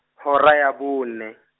hora ya bone.